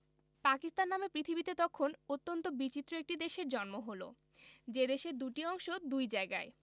পাকিস্তান নামে পৃথিবীতে তখন অত্যন্ত বিচিত্র একটি দেশের জন্ম হলো যে দেশের দুটি অংশ দুই জায়গায়